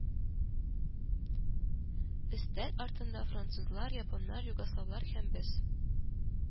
Өстәл артында французлар, японнар, югославлар һәм без